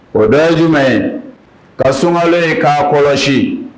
O bɛ ye jumɛn ye ka solen k'a kɔlɔsi